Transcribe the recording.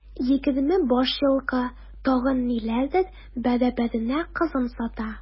Егерме баш елкы, тагын ниләрдер бәрабәренә кызын сата.